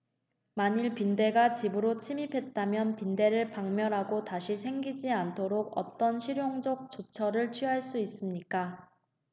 만일 빈대가 집으로 침입했다면 빈대를 박멸하고 다시 생겨나지 않도록 어떤 실용적인 조처를 취할 수 있습니까